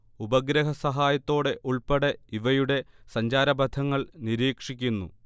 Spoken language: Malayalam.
ഉപഗ്രഹ സഹായത്തോടെ ഉൾപ്പെടെ ഇവയുടെ സഞ്ചാരപഥങ്ങൾ നിരീക്ഷിക്കുന്നു